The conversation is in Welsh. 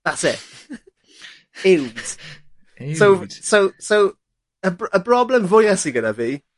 That's it. Uwd. Uwd. So so so y br- y broblem fwya sy gyda fi